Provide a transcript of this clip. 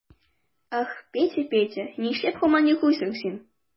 Ах, Петя, Петя, нишләп һаман йоклыйсың син?